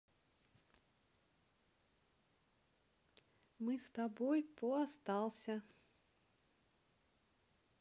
мы с тобой по остался